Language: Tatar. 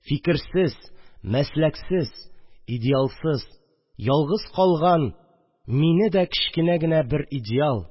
Фикерсез, мәсләксез, идеалсыз, ялгыз калган мине дә кечкенә бер идеал